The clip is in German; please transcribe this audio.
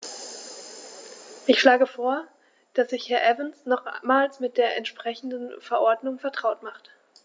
Ich schlage vor, dass sich Herr Evans nochmals mit der entsprechenden Verordnung vertraut macht.